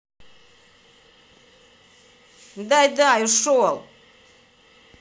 дай дай ушел